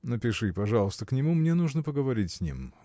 – Напиши, пожалуйста, к нему, мне нужно поговорить с ним.